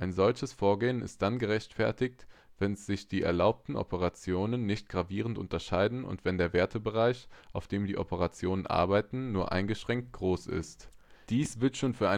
solches Vorgehen ist dann gerechtfertigt, wenn sich die erlaubten Operationen nicht gravierend unterscheiden und wenn der Wertebereich, auf dem die Operationen arbeiten, nur eingeschränkt groß ist. Dies wird schon für